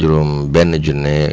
juróom-benn junne